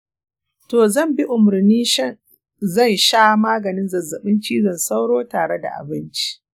to, zan bi umarni zan sha maganin zazzabin cizon sauro tare da abinci.